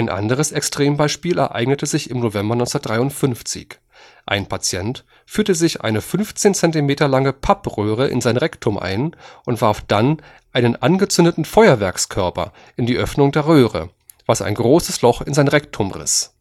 anderes Extrembeispiel ereignete sich im November 1953. Ein Patient führte sich eine 15 cm lange Pappröhre in sein Rektum ein und warf dann einen angezündeten Feuerwerkskörper in die Öffnung der Röhre, was ein großes Loch in sein Rektum riss